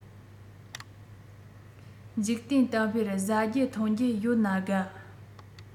འཇིག རྟེན གཏམ དཔེར བཟའ རྒྱུ འཐུང རྒྱུ ཡོད ན དགའ